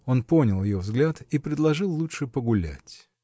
Он понял ее взгляд и предложил лучше погулять.